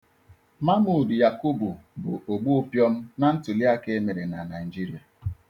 Mamood Yakubu bụ ogbupịọm na ntuliaka emere na Nigeria.